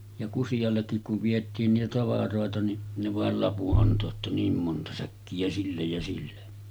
ja Kusiallekin kun vietiin niitä tavaroita niin ne vain lapun antoi että niin monta säkkiä sille ja sille